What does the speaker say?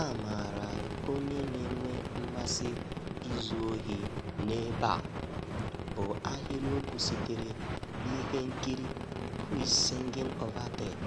A maara onye na-enwe mmasị izu ohi n'ebe a! bụ ahịrịokwu sitere n'ihe nkiri "Who's Singin' Over There"